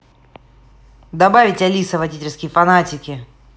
добавить алиса водительские фанатики